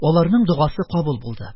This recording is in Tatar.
Аларның догасы кабул булды.